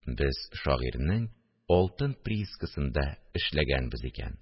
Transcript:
Без «Шагыйрьнең алтын приискасы»нда эшләгәнбез икән